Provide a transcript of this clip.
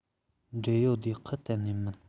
འབྲེལ ཡོད སྡེ ཁག གཏན ནས མིན